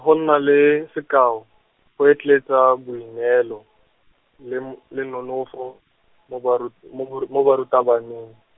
go nna le sekao, go etleetsa boineelo, le m-, le nonofo, mo barut-, mo bor-, mo barutabaneng.